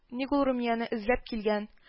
Ник ул румияне эзләп килгән